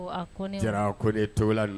Ɔ a Kone Diarra Kone Togola n